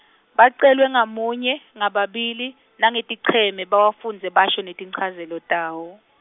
bacelwe ngamunye, ngababili , nangeticheme bawafundze basho netinchazelo tawo.